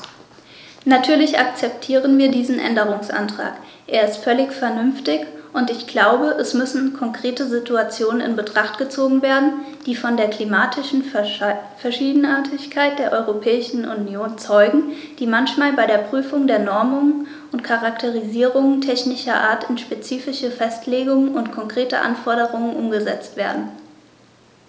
Natürlich akzeptieren wir diesen Änderungsantrag, er ist völlig vernünftig, und ich glaube, es müssen konkrete Situationen in Betracht gezogen werden, die von der klimatischen Verschiedenartigkeit der Europäischen Union zeugen, die manchmal bei der Prüfung der Normungen und Charakterisierungen technischer Art in spezifische Festlegungen und konkrete Anforderungen umgesetzt werden.